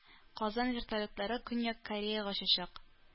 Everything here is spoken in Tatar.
Казан вертолетлары Көньяк Кореяга очачак